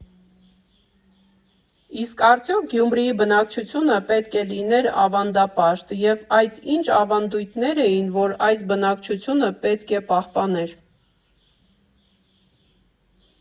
Իսկ արդյո՞ք Գյումրիի բնակչությունը պետք է լիներ ավանդապաշտ և այդ ի՞նչ ավանդույթներ էին, որ այս բնակչությունը պետք է պահպաներ։